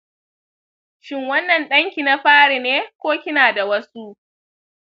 shin wannan ɗan ki na fari ne, ko kina da wasu?